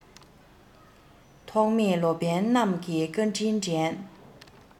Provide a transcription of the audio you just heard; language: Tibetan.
ཐོགས མེད ལོ པཎ རྣམས ཀྱི བཀའ དྲིན དྲན